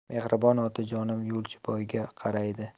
mehribon otajonim yo'lchiboyga qaraydi